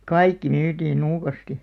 kaikki myytiin nuukasti